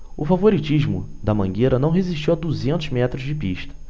o favoritismo da mangueira não resistiu a duzentos metros de pista